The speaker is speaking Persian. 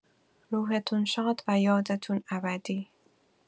روحتون شاد و یادتون ابدی